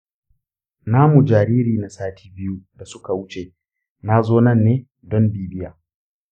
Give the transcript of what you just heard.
namu jariri na sati biyu da suka wuce nazo nanne don bibiya